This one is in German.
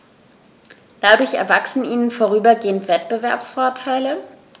Dadurch erwachsen ihnen vorübergehend Wettbewerbsvorteile.